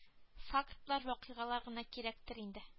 Фактлар вакыйгалар гына кирәктер инде